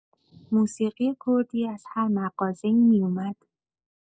موسیقی کردی از هر مغازه‌ای میومد.